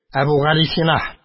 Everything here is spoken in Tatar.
Әбүгалисина